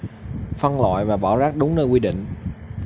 phân loại và bỏ rác đúng nơi quy định